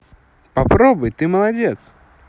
попробуй ты молодец